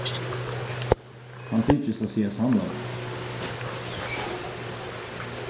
hann tykist at siga sannleikan